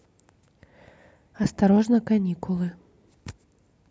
осторожно каникулы